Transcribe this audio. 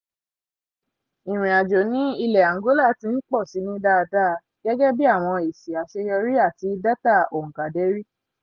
Ìrìn-àjò ní ilẹ̀ Angola ti ń pọ̀ si ní dáadáa, gẹ́gẹ́ bí àwọn èsì àṣeyọrí àti dátà òǹkàdérí.